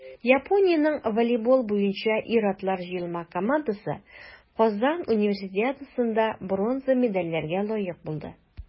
Япониянең волейбол буенча ир-атлар җыелма командасы Казан Универсиадасында бронза медальләргә лаек булды.